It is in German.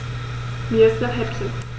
Mir ist nach Häppchen.